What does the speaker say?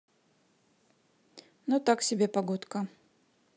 ну так себе погодка